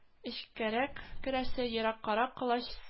Эчкәрәк керәсе, ераккарак колач